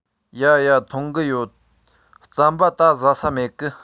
ཡ ཡ འཐུང གི ཡོད རྩམ པ ད ཟ ས མེད གི